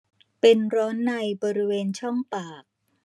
เป็นร้อนในบริเวณช่องปาก